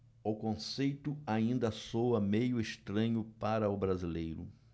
o conceito ainda soa meio estranho para o brasileiro